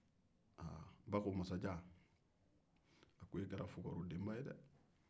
ba ko masajan e kɛra fugaridenba ye dɛ